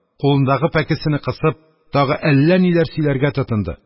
Кулындагы пәкесене кысып, тагы әллә ниләр сөйләргә тотынды.